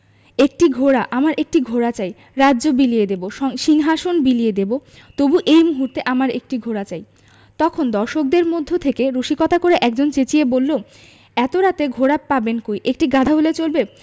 একটি ঘোড়া আমার একটি ঘোড়া চাই রাজ্য বিলিয়ে দেবো সিংহাশন বিলিয়ে দেবো তবু এই মুহূর্তে আমার একটি ঘোড়া চাই – তখন দর্শকদের মধ্য থেকে রসিকতা করে একজন চেঁচিয়ে বললো এত রাতে ঘোড়া পাবেন কই একটি গাধা হলে চলবে